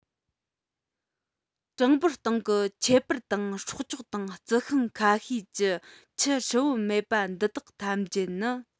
གྲངས འབོར སྟེང གི ཁྱད པར དང སྲོག ཆགས དང རྩི ཤིང ཁ ཤས ཀྱི ཁྱུ ཧྲིལ བོ མེད པ འདི དག ཐམས ཅད ནི